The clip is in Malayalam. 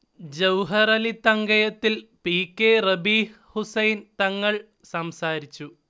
ജൗഹറലി തങ്കയത്തിൽ, പി കെ റബീഹ് ഹുസൈൻ തങ്ങൾ സംസാരിച്ചു